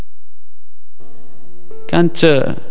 انت